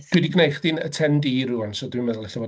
Dwi 'di gwneud chdi'n attendee rŵan, so dwi'n meddwl ella fod...